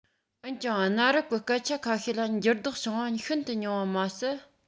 འོན ཀྱང གནའ རབས ཀྱི སྐད ཆ ཁ ཤས ལ འགྱུར ལྡོག བྱུང བ ཤིན ཏུ ཉུང བ མ ཟད